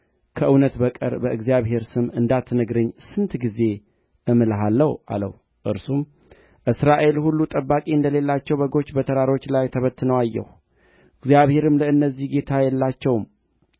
ከእውነት በቀር በእግዚአብሔር ስም እንዳትነግረኝ ስንት ጊዜ አምልሃለሁ አለው እርሱም እስራኤል ሁሉ ጠባቂ እንደሌላቸው በጎች በተራሮች ላይ ተበትነው አየሁ እግዚአብሔርም ለእነዚህ ጌታ የላቸውም